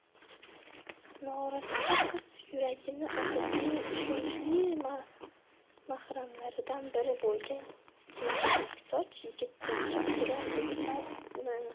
norasta qiz yuragini otasining ishonchli mahramlaridan biri bo'lgan jingalaksoch yigit jamshid rom etsami